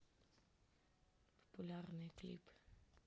популярные клипы